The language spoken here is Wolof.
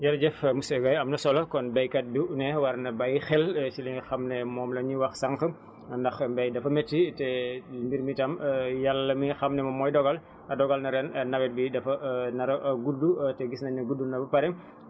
jërëjëf monsieur Guèye am na solo kon baykat bu ne war na bàyyi xel si li nga xam ne moom la ñu wax sànq ndax mbay dafa métti te mbir mi tam Yàlla mi nga xam ne moom mooy dogal dogal na ren nawet bi dafa nar a gudd te gis nañ ne gudd na ba pare